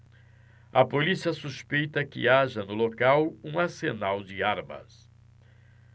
a polícia suspeita que haja no local um arsenal de armas